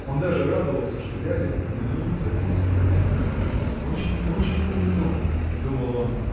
Он даже радовался, что дядя упомянул в записке о деньгах. Очень, очень умно, – думал он.